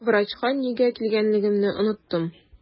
Врачка нигә килгәнлегемне оныттым.